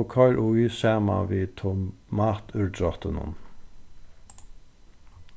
og koyr í saman við tomatúrdráttinum